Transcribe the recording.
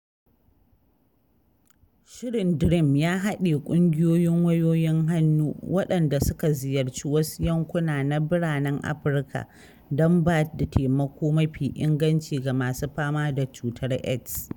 Shirin DREAM ya haɗe ƙungiyoyin wayoyin hannu waɗanda suka ziyarci wasu yankuna na biranen Afirka don ba da taimako mafi inganci ga masu fama da cutar AIDS.